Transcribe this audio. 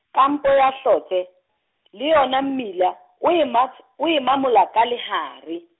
kampo ya Hlotse, le yona mmila o e mats- o e mamola ka lehare.